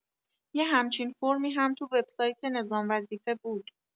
یه همچین فرمی هم تو وبسایت نظام‌وظیفه بود